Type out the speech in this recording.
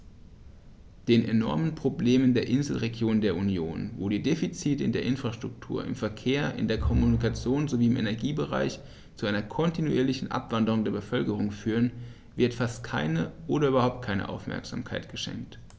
Den enormen Problemen der Inselregionen der Union, wo die Defizite in der Infrastruktur, im Verkehr, in der Kommunikation sowie im Energiebereich zu einer kontinuierlichen Abwanderung der Bevölkerung führen, wird fast keine oder überhaupt keine Aufmerksamkeit geschenkt.